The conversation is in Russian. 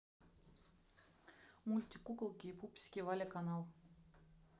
мультик куколки и пупсики валя канал